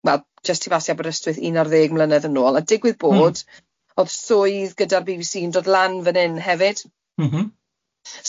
wel jyst tu fas i Aberystwyth un ar ddeg mlynedd yn nôl, a digwydd bod... M-hm. ...o'dd swydd gyda'r Bee Bee See yn dod lan fan hyn hefyd... M-hm.